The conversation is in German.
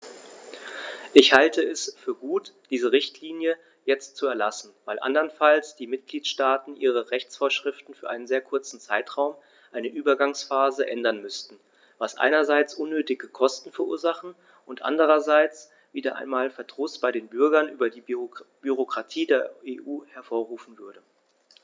Ich halte es für gut, diese Richtlinie jetzt zu erlassen, weil anderenfalls die Mitgliedstaaten ihre Rechtsvorschriften für einen sehr kurzen Zeitraum, eine Übergangsphase, ändern müssten, was einerseits unnötige Kosten verursachen und andererseits wieder einmal Verdruss bei den Bürgern über die Bürokratie der EU hervorrufen würde.